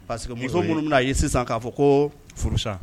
Parce que muso minnu a ye sisan k'a fɔ ko furusan